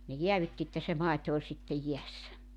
ne jäädytti että se maito oli sitten jäässä